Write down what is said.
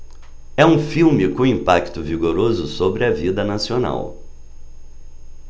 é um filme com um impacto vigoroso sobre a vida nacional